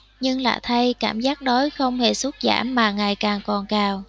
nhưng lạ thay cảm giác đói không hề sút giảm mà ngày càng cồn cào